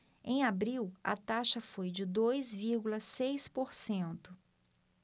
em abril a taxa foi de dois vírgula seis por cento